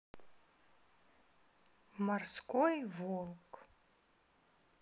морской волк